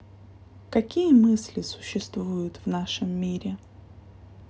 какие мысли существуют в нашем мире